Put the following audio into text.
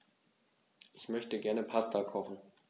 Ich möchte gerne Pasta kochen.